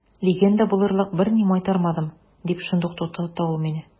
Легенда булырлык берни майтармадым, – дип шундук туктата ул мине.